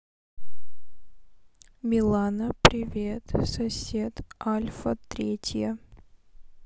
милана привет сосед альфа третья